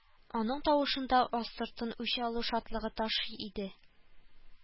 Аның тавышында астыртын үч алу шатлыгы ташый иде